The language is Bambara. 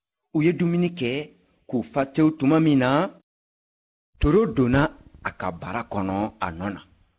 u ye dumuni kɛ k'u fa tewu tuma min na toro donna a ka bara kɔnɔ a nɔ na